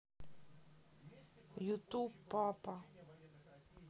ютуб папа